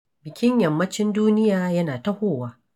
1. Bikin Yammacin duniya yana tahowa.